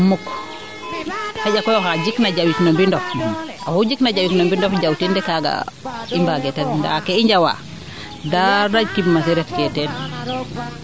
mukk xaƴa koy oxa jikna jawit no mbinof oxu jikna jawit no mbinof de kaaga i mbaage ta tig ndaa ke i njawaa daray kitmasi rokee teen